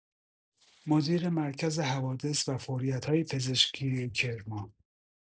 مدیر مرکز حوادث و فوریت‌های پزشکی کرمان